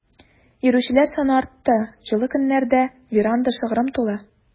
Йөрүчеләр саны артты, җылы көннәрдә веранда шыгрым тулы.